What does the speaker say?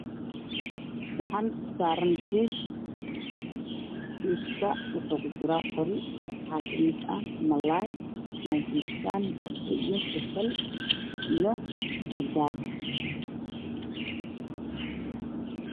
Saxan saaran tiish xilka waxaa ku dhex jiro cindbagro qajeel